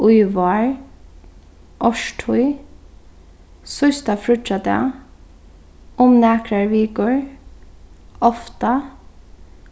í vár árstíð síðsta fríggjadag um nakrar vikur ofta